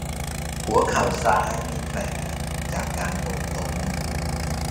หัวเข่าซ้ายมีแผลจากการหกล้ม